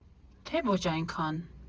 Թե՞ ոչ այնքան։